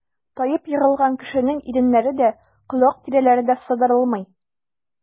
Таеп егылган кешенең иреннәре дә, колак тирәләре дә сыдырылмый.